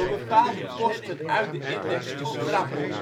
bepaalde posten uit de index te schrappen